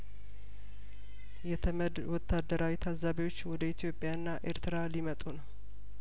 የተመድ ወታደራዊ ታዛቢዎች ወደ ኢትዮጵያና ኤርትራ ሊመጡ ነው